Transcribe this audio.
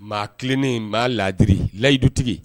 Maa tilennen ma laadiri layidutigi